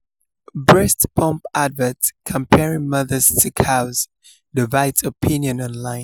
Breast pump advert comparing mothers to cows divides opinion online